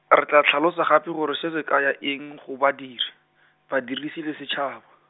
re tla tlhalosa gape gore se se kaya eng go badiri, badirisi le setšhaba.